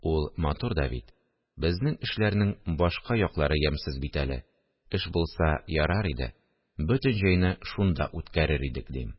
– ул матур да бит, безнең эшләрнең башка яклары ямьсез бит әле, эш булса ярар иде, бөтен җәйне шунда үткәрер идек, – дим